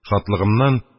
Шатлыгымнан